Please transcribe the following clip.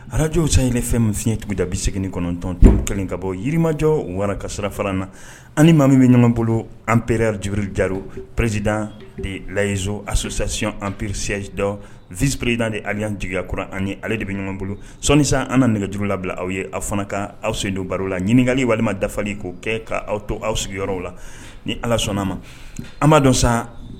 Arajwsany fɛn min fiɲɛyɛntigi da bi segin kɔnɔntɔntɔn kelen ka bɔ yirimajɔ wara ka sirafa na ani maami bɛ ɲuman bolo anpɛerejururidiriro perezd de layizsoo assisasiyonɔn ppirissisi dɔ vpereed de ale anjyauran ani ale de bɛ ɲuman bolo sɔni san an ka nɛgɛjuru labila aw ye aw fana ka aw sendu baro la ɲininkakali walima dafali ko kɛ k'aw tɔ aw sigiyɔrɔ la ni ala sɔnna a ma anba dɔn sa